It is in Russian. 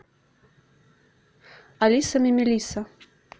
алиса мемилиса